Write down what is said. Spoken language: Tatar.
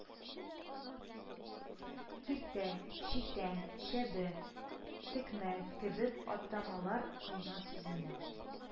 Киртә, читән, чәбе, текмә кебек атамалар «койма» сүзеннән